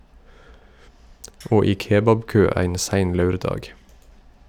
Og i kebabkø ein sein laurdag.